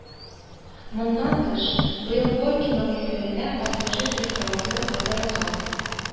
Моннан тыш, быел Горький магистраленә пассажир электровозы кайтарылган